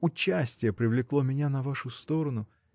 Участие привлекло меня на вашу сторону.